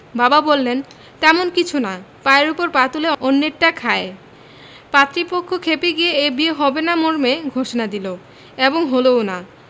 বাবা বললেন তেমন কিছু না পায়ের ওপর পা তুলে অন্যেরটা খায় পাত্রীপক্ষ খেপে গিয়ে এ বিয়ে হবে না মর্মে ঘোষণা দিল এবং হলোও না